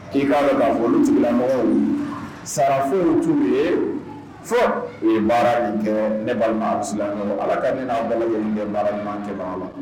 Ki k'a dɔn k'a fɔ olu tigilamɔgɔw lsara foyi t'u ye fo u ye baara min kɛ ne balima alasilamɛw Ala ka ne n'aw bɛɛ lajɛlen kɛ baara ɲuman kɛbaga la